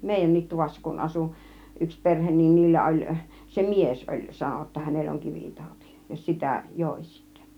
meidänkin tuvassa kun asui yksi perhe niin niillä oli se mies oli sanoi jotta hänellä on kivitauti ja sitä joi sitten